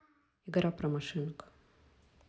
игра про машинок